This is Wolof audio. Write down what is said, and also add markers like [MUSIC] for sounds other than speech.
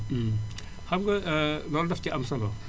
[HESITATION] [HESITATION] xam nga [HESITATION] loolu dafa ci am solo